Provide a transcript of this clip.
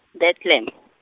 Bethlehem.